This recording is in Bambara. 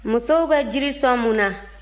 musow bɛ jiri sɔn mun na